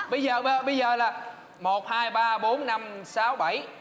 bây giờ bây giờ là một hai ba bốn năm sáu bảy